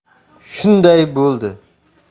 shunday bo'ldi